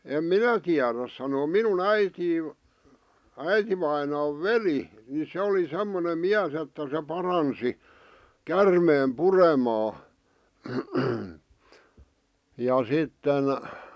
en minä tiedä sanoa minun äiti äitivainaan veli niin se oli semmoinen mies että se paransi käärmeen puremaa ja sitten